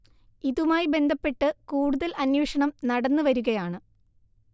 ഇതുമായി ബന്ധപ്പെട്ട് കൂടുതൽ അന്വഷണം നടന്ന് വരുകയാണ്